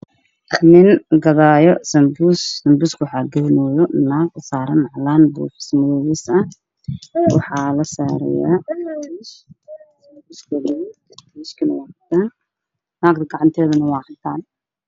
Meeshaan waxaa ka muuqdo labo xabo oo sunbuus ah oo lagu hayo shay cadaan ah